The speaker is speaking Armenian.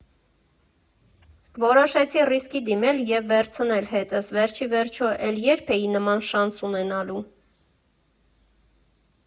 Որոշեցի ռիսկի դիմել և վերցնել հետս, վերջիվերջո, էլ ե՞րբ էի նման շանս ունենալու։